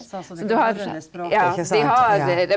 sånn som det norrøne språket, ikke sant, ja.